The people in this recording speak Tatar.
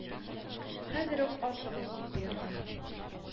— хәзер үк асыгыз! — дип боерган.